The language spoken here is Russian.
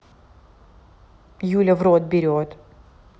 юля в рот берет